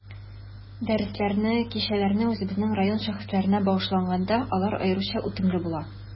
Дәресләрне, кичәләрне үзебезнең район шәхесләренә багышлаганда, алар аеруча үтемле була.